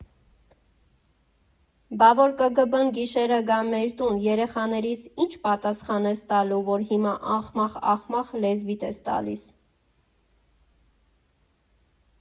«Բա որ ԿԳԲ֊ն գիշերը գա մեր տուն, երեխեքիս ի՞նչ պատասխան ես տալու, որ հիմա ախմախ֊ախմախ լեզվիդ ես տալիս»։